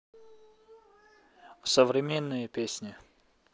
современные песни